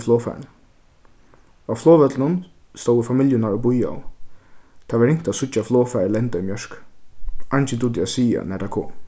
við flogfarinum á flogvøllinum stóðu familjurnar og bíðaðu tað var ringt at síggja flogfarið lenda í mjørka eingin dugdi at siga nær tað kom